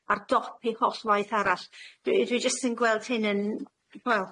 ar dop 'u holl waith arall. Dwi- dwi jyst yn gweld hyn yn, wel,